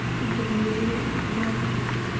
интервью деревянко